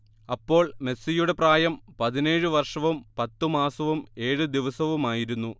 അപ്പോൾ മെസ്സിയുടെ പ്രായം പതിനേഴ് വർഷവും പത്ത് മാസവും ഏഴ് ദിവസവുമായിരുന്നു